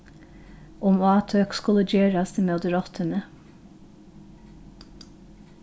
um átøk skulu gerast móti rottuni